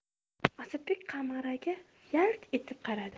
asadbek qamaraga yalt etib qaradi